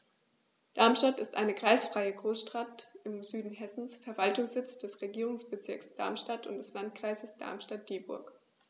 Darmstadt ist eine kreisfreie Großstadt im Süden Hessens, Verwaltungssitz des Regierungsbezirks Darmstadt und des Landkreises Darmstadt-Dieburg.